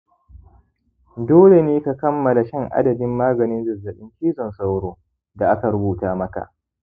dole ne ka kammala shan adadin maganin zazzaɓin cizon sauro da aka rubuta maka